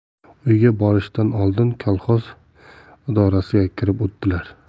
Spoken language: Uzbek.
uyga borishdan oldin kolxoz idorasiga kirib o'tdilar